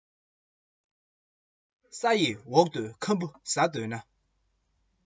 འདི རུ སྤྲང པོའི སྐྱིད སྡུག བལྟས པ བཟང